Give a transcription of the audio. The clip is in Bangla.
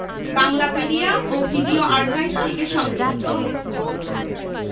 বাংলাপিডিয়া ও ভিডিও আর্কাইভ থেকে সংগ্রহীত